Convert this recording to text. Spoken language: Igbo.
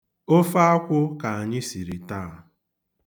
Ofe akwụ ka anyị siri taa.